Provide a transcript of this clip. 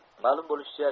ma'lum bo'lishicha